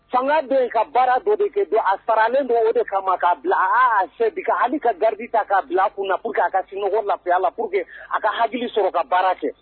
Fanga bɛ yen, n' ka baara bɛ b' kɛ dont a saralen don o de kama ma k'a bila aaa se bɛ ka a nin ka garidi ta ka bila a kunna pourque a ka sunɔgɔ lafiya la pourque a ka hakili sɔrɔ ka baara kɛ.